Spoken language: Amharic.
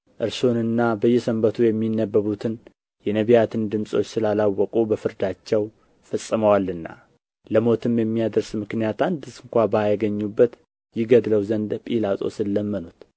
እርሱንና በየሰንበቱ የሚነበቡትን የነቢያትን ድምፆች ስላላወቁ በፍርዳቸው ፈጽመዋልና ለሞትም የሚያደርስ ምክንያት አንድ ስንኳ ባያገኙበት ይገድለው ዘንድ ጲላጦስን ለመኑት